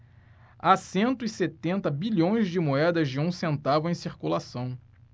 há cento e setenta bilhões de moedas de um centavo em circulação